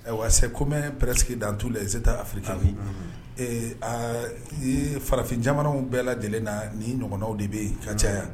Ayiwa c'est commun dans presque tous les Etats africains ee aa farafinjamanaw bɛɛ lajɛlen na nin ɲɔgɔnnaw de bɛ yen ka caya